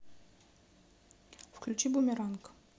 включи бумеранг